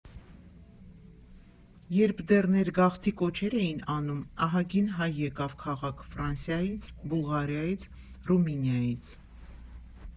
Երբ դեռ ներգաղթի կոչեր էին անում, ահագին հայ եկավ քաղաք Ֆրանսիայից, Բուլղարիայից, Ռումինիայից։